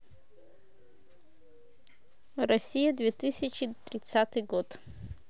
россия две тысячи тридцатый год